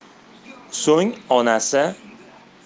so'ng onasi